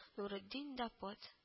Нуретдин, Дапот